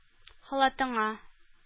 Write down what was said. Халатыңа